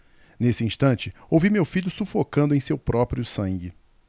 nesse instante ouvi meu filho sufocando em seu próprio sangue